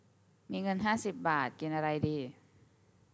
มีเงินห้าสิบบาทกินอะไรดี